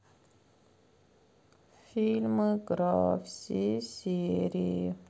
фильм игра все серии